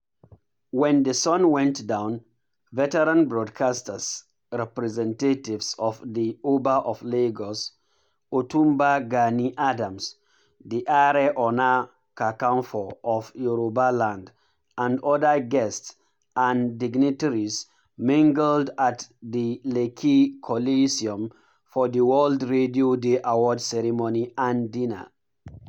When the sun went down, veteran broadcasters, representatives of the Oba of Lagos, Ọ̀túnba Gani Adams, the Ààrẹ Ọ̀nà Kakanfò of Yorùbá-land and other guests and dignitaries mingled at the Lekki Coliseum for the World Radio Day award ceremony and dinner.